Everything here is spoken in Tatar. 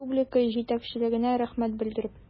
Республика җитәкчелегенә рәхмәт белдереп.